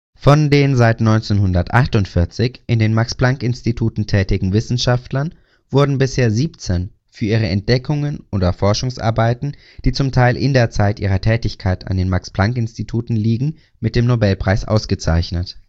Von den seit 1948 in den Max-Planck-Instituten tätigen Wissenschaftlern wurden bisher 17 für ihre Entdeckungen oder Forschungsarbeiten, die zum Teil in der Zeit ihrer Tätigkeit an den Max-Planck-Instituten liegen, mit dem Nobelpreis ausgezeichnet